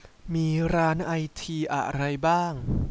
มีร้านไอทีอะไรบ้าง